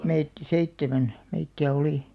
meitä seitsemän meitä oli